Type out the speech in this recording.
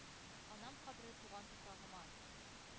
Анам кабре — туган туфрагыма